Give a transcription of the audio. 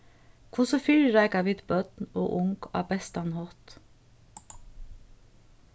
hvussu fyrireika vit børn og ung á bestan hátt